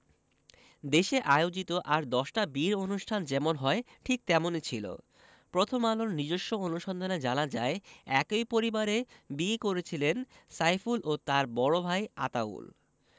দেশে আয়োজিত আর দশটা বিয়ের অনুষ্ঠান যেমন হয় ঠিক তেমনি ছিল প্রথম আলোর নিজস্ব অনুসন্ধানে জানা যায় একই পরিবারে বিয়ে করেছিলেন সাইফুল ও তাঁর বড় ভাই আতাউল